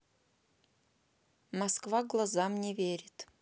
москва глазам не верит